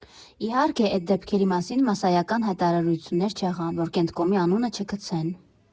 Իհարկե էտ դեպքերի մասին մասսայական հայտարարություններ չեղան, որ Կենտկոմի անունը չքցեն։